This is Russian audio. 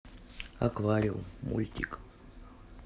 аквариум мультик